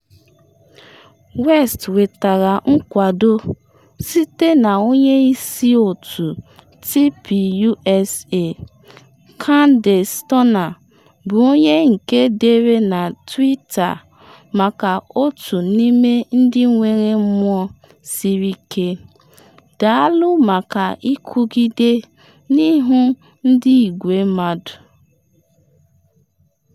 West nwetara nkwado site na onye isi otu TPUSA, Candace Turner, bụ onye nke dere na twitter: “Maka otu n’ime ndị nwere mmụọ siri ike: DAALỤ MAKA ỊKWỤGIDE N’IHU NDỊ IGWE MMADỤ.”